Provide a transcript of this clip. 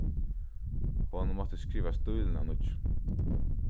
hon mátti skriva stílin av nýggjum